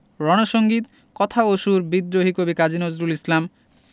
রন সঙ্গীত কথা ও সুর বিদ্রোহী কবি কাজী নজরুল ইসলাম